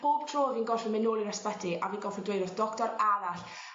Bob tro fi'n gorffo myn' nôl i'r ysbyty a fi gorffo dweud wrth doctor arall